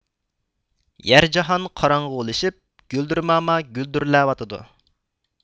يەر جاھان قاراڭغۇلىشىپ گۈلدۈرماما گۈلدۈرلەۋاتىدۇ